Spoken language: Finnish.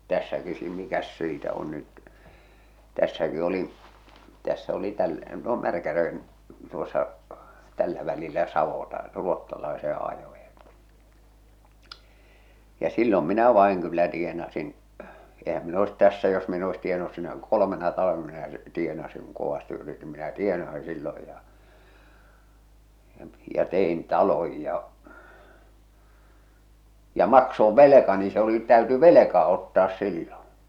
tässäkin - mikäs siitä on nyt tässäkin olin tässä oli - no Märkäjärven tuossa tällä välillä savotan ruotsalaisen ajoon ja silloin minä vain kyllä tienasin eihän minä olisi tässä jos minä en olisi tienannut sinä kolmena talvena minä tienasin kun kovasti yritin minä tienasin silloin ja ja ja tein talon ja ja maksoin velkani se oli täytyi velka ottaa silloin